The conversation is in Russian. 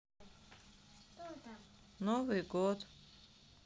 новый год